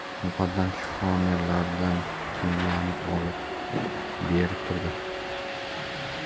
muqaddam shifonerlardan kiyimlarini olib berib turdi